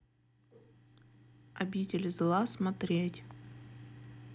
обитель зла смотреть